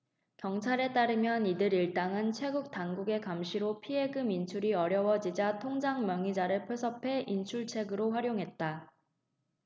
경찰에 따르면 이들 일당은 최근 당국의 감시로 피해금 인출이 어려워지자 통장명의자를 포섭해 인출책으로 활용했다